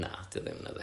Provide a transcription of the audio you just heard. Na 'dio ddim nadi.